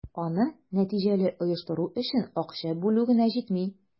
Аны нәтиҗәле оештыру өчен акча бүлү генә җитми.